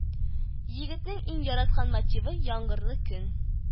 Егетнең иң яраткан мотивы - яңгырлы көн